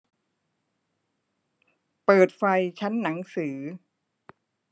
เปิดไฟชั้นหนังสือ